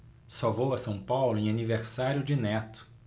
só vou a são paulo em aniversário de neto